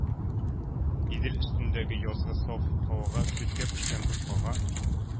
Идел өстендәге язгы саф һава сөткә пешкән боткага